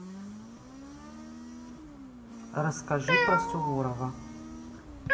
расскажи про суворова